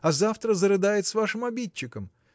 а завтра зарыдает с вашим обидчиком